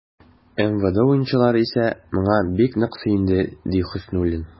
МВД уенчылары исә, моңа бик нык сөенде, ди Хөснуллин.